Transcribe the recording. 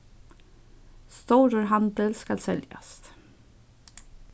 stórur handil skal seljast